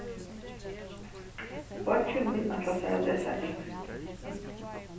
beiggi mín ætlar sær at lesa enskt